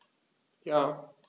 Ja.